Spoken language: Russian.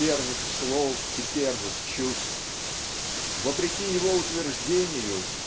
первых слов и первых чувств. Вопреки его утверждению